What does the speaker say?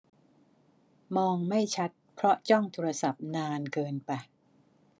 มองไม่ชัดเพราะจ้องโทรศัพท์นานเกินไป